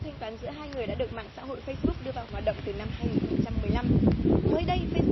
thanh toán giữa hai người đã được mạng xã hội phây búc đưa vào hoạt động từ năm hai nghìn không trăm mười lăm mới đây phây